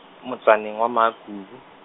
motsaneng wa Makubu.